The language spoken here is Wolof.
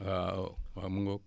waawaaw mu ngoog